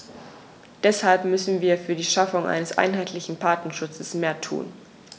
Deshalb müssen wir für die Schaffung eines einheitlichen Patentschutzes mehr tun.